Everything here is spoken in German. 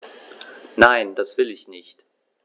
Nein, das will ich nicht.